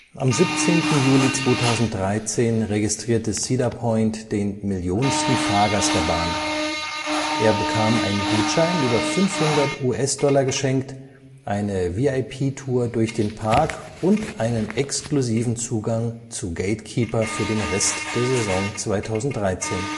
Am 17. Juli 2013 registrierte Cedar Point den millionsten Fahrgast der Bahn. Er bekam einen Gutschein über 500 US-Dollar geschenkt, eine VIP-Tour durch den Park und einen exklusiven Zugang zu GateKeeper für den Rest der Saison 2013